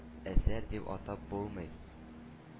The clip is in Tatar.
Әсәр дип атап булмый.